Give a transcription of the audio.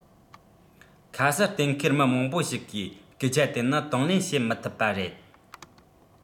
ཁ གསལ གཏན འཁེལ མི མང པོ ཞིག གིས སྐད ཆ དེ ནི དང ལེན བྱེད མི ཐུབ པ རེད